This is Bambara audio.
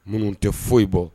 Minnu tɛ foyi bɔ